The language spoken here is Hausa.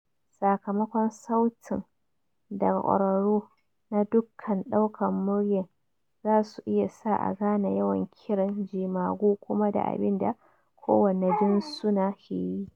Sakamakon sautin daga kwararru na dukkan daukan muryan za su iya sa a gane yawan kiran jemagu kuma da abin da kowane jinsuna ke yi.